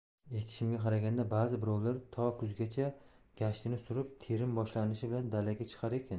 eshitishimga qaraganda bazi birovlar to kuzgacha gashtini surib terim boshlanishi bilan dalaga chiqar ekan